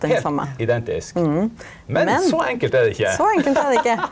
heilt identisk, men så enkelt er det ikkje .